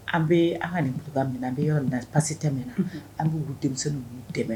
An bɛ an ka nin bolo minɛ an bɛ yɔrɔ pasi tɛ min na an'u denmisɛn'u dɛmɛ